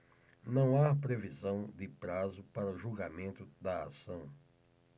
não há previsão de prazo para o julgamento da ação